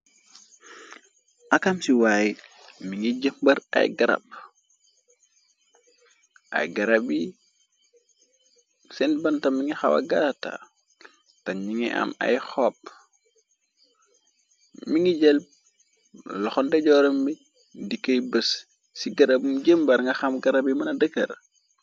Akam si waay mi ngi jëmbar ay garab ay garab yi sèèn banta mu ngi xawa gatta tè mungi am ay xop mu ngi jël loxo ndeyjoor ram bi di koy bés ci garab yum jëmbar ndax garab yi mëna dëggër.